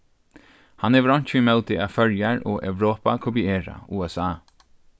hann hevur einki ímóti at føroyar og europa kopiera usa